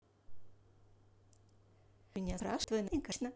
меня спрашивают твой начальник отлично